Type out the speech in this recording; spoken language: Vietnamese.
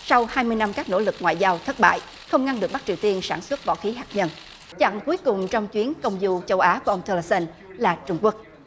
sau hai mươi năm các nỗ lực ngoại giao thất bại không ngăn được bắc triều tiên sản xuất võ khí hạt nhân chặng cuối cùng trong chuyến công du châu á của ông the lê sơn là trung quốc